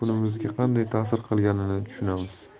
kunimizga qanday ta'sir qilganini tushunamiz